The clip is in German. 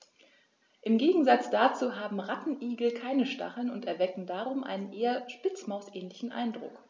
Im Gegensatz dazu haben Rattenigel keine Stacheln und erwecken darum einen eher Spitzmaus-ähnlichen Eindruck.